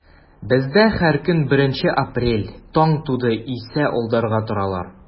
Бездә һәр көн беренче апрель, таң туды исә алдарга торалар.